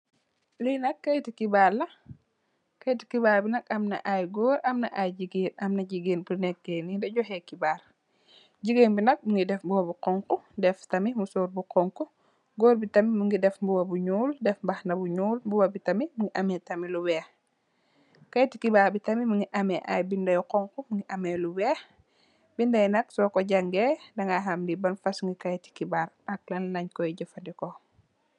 Linak xatul xibarla xatul xirba bi nak am aye gorr am aye jigeen amna jigeen bubneka de johe xirba jigenen bi nak mungi def bubu bu xonko def tamit musor bu xonko gorr bi tamit mungi def bubu bu nuul def bahana bu nuul am lu weex xatul xirba mungi ameh aye binda yo xonko ak yo weex binda ye nak so ko jangeh danga am li ban faso xatul xirba la ak kan lenko jafendeko.